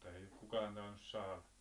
mutta ei ole kukaan tainnut saada